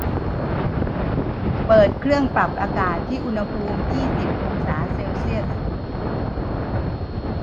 เปิดเครื่องปรับอากาศที่อุณหภูมิยี่สิบองศาเซลเซียส